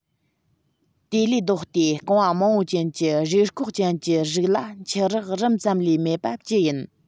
དེ ལས ལྡོག སྟེ རྐང བ མང པོ ཅན གྱི རུས སྐོགས ཅན གྱི རིགས ལ མཆུ རགས རིམ ཙམ ལས མེད པ ཅི ཡིན